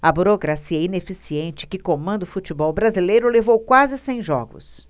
a burocracia ineficiente que comanda o futebol brasileiro levou quase cem jogos